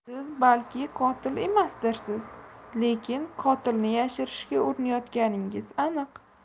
siz balki qotil emasdirsiz lekin qotilni yashirishga urinayotganingiz aniq